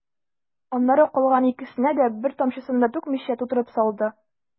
Аннары калган икесенә дә, бер тамчысын да түкмичә, тутырып салды.